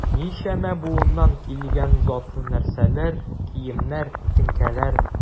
Ничәмә буыннан килгән затлы нәрсәләр, киемнәр, тәңкәләр...